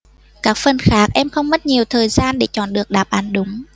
các phần khác em không mất nhiều thời gian để chọn được đáp án đúng